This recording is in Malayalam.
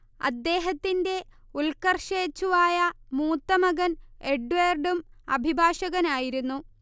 അദ്ദേഹത്തിന്റെ ഉൽക്കർഷേച്ഛുവായ മൂത്തമകൻ എഡ്വേർഡും അഭിഭാഷകനായിരുന്നു